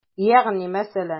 Ягъни мәсәлән?